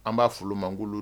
An b'a fɔ olu ma n k'olu